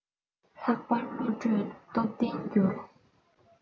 ལྷག པར བློ གྲོས སྟོབས ལྡན འགྱུར